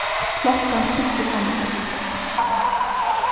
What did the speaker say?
klokkan tíggju koma tey